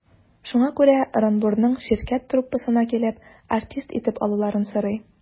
Шуңа күрә Ырынбурның «Ширкәт» труппасына килеп, артист итеп алуларын сорый.